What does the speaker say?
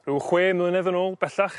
ryw chwe mlynedd yn ôl bellach